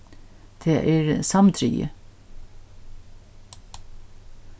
tað er samdrigið